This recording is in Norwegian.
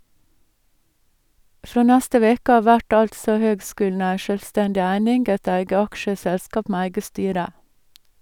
Frå neste veke av vert altså høgskulen ei sjølvstendig eining, eit eige aksjeselskap med eige styre.